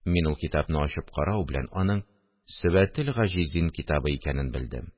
Мин ул китапны ачып карау белән, аның «Сөбател-гаҗизин» китабы икәнен белдем